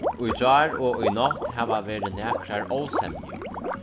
í gjár og í nátt hava verið nakrar ósemjur